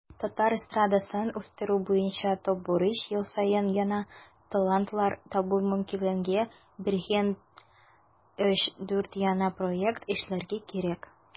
Татар эстрадасын үстерү буенча төп бурыч - ел саен яңа талантлар табу мөмкинлеге биргән 3-4 яңа проект эшләргә кирәк.